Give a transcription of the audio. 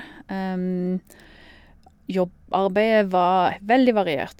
jobb Arbeidet var veldig variert.